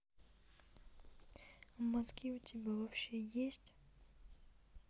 а мозги у тебя вообще есть